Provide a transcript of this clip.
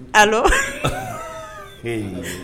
Alo